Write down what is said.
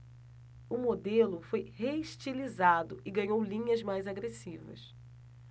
o modelo foi reestilizado e ganhou linhas mais agressivas